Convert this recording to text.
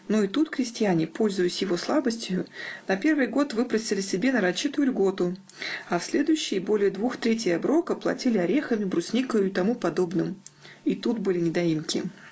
но и тут крестьяне, пользуясь его слабостию, на первый год выпросили себе нарочитую льготу, а в следующие более двух третей оброка платили орехами, брусникою и тому подобным и тут были недоимки.